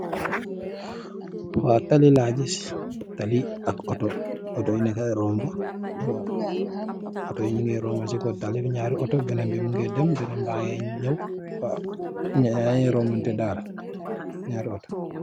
Waaw tali laa gis, tali ak otto. Otto yaangi roombu, Otto yi ñungee roombu si kow tali bi. Beenen baa ngee dem, benen baa ngee niaw. Ñuy roombante daal, waaw.